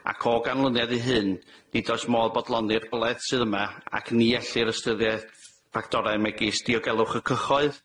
Ac o ganlyniad i hyn, nid oes modd bodloni'r goledd sydd yma, ac ni ellir ystyried ffactore megis diogelwch y cyhoedd,